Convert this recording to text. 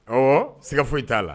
Ɔwɔ siga foyi t'a la